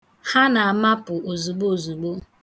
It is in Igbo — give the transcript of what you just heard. Ha na-amapụ ozugbo ozugbo.